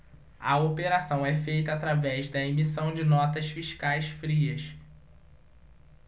a operação é feita através da emissão de notas fiscais frias